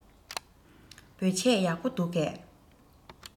བོད ཆས ཡག པོ འདུག གས